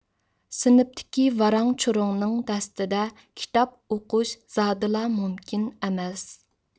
سىنىپتىكى ۋاراڭ چۇرۇڭنىڭ دەستىدە كىتاب ئوقۇش زادىلا مۇمكىن ئەمەس